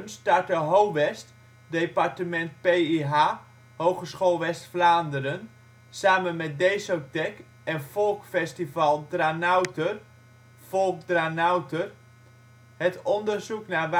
startte HOWEST dept. PIH (Hogeschool West-Vlaanderen) samen met Desotec en Folkfestival Dranouter (Folk Dranouter) het onderzoek naar